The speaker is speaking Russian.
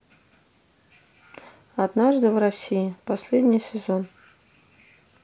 однажды в россии последний сезон